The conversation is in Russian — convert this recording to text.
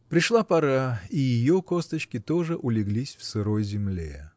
Пришла пора, и ее косточки тоже улеглись в сырой земле.